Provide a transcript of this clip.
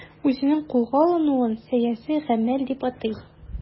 Үзенең кулга алынуын сәяси гамәл дип атый.